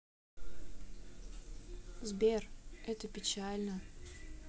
сбер это печально